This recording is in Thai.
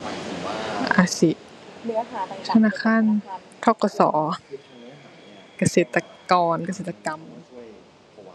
อาจสิธนาคาร ธ.ก.ส. เกษตรกร เกษตรกรรม